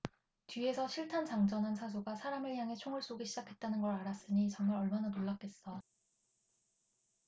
뒤에서 실탄 장전한 사수가 사람을 향해 총을 쏘기 시작했다는 걸 알았으니 정말 얼마나 놀랐겠어